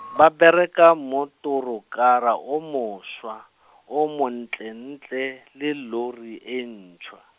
ba bereka mmotorokara o moswa, o montlentle, le lori e ntshwa.